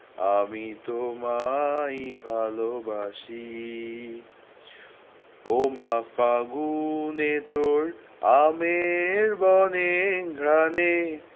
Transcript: আমি তোমায় ভালোবাসি ওমা ফাগুনে তোর আমের বনে ঘ্রাণে